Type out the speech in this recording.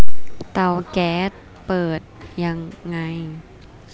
เตาแก๊สเปิดยังไง